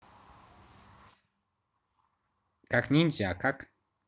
как ninja как